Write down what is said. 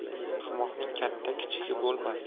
ahmoqning katta kichigi bo'lmas